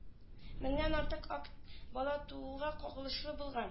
Меңнән меңнән артык акт бала тууга кагылышлы булган